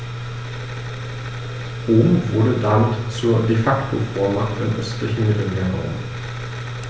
Rom wurde damit zur ‚De-Facto-Vormacht‘ im östlichen Mittelmeerraum.